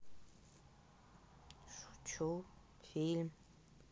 шучу фильм